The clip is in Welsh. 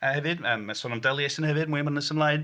A hefyd mae o'n... mae'n sôn am Daliesin hefyd. Mwy am hynny nes ymlaen.